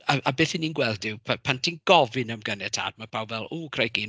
A a beth 'y ni'n gweld yw pa- pan ti'n gofyn am ganiatâd ma' pawb fel, w, crikey.